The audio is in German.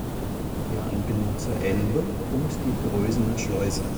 die Anbindung zur Elbe und die Prösener Schleuse